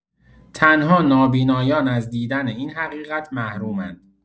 تنها نابینایان از دیدن این حقیقت محرومند.